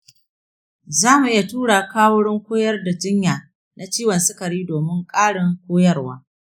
za mu iya tura ka wurin mai koyar da jinya na ciwon sukari domin ƙarin koyarwa.